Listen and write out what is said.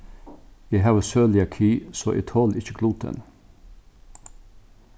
eg havi cøliaki so eg toli ikki gluten